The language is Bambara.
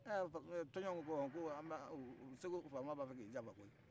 tɔnjɔnw ko ko wa segu faama b'a fɛ k'i janfa koyi